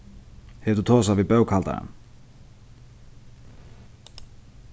hevur tú tosað við bókhaldaran